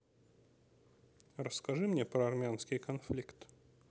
расскажи мне про армянский конфликт